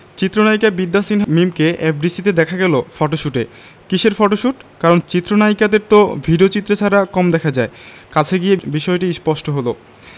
চিত্রনায়িকা বিদ্যা সিনহা মিমকে এফডিসিতে দেখা গেল ফটোশুটে কিসের ফটোশুট কারণ চিত্রনায়িকাদের তো ভিডিওচিত্রে ছাড়া কম দেখা যায় কাছে গিয়ে বিষয়টি স্পষ্ট হলো